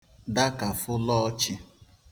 dakàfụ l'ọchị̀